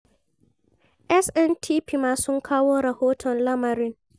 SNTP ma sun kawo rahoton lamarin: